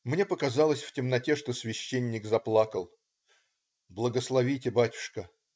" Мне показалось в темноте, что священник заплакал. "Благословите, батюшка.